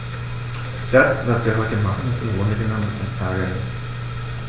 Das, was wir heute machen, ist im Grunde genommen ein Ärgernis.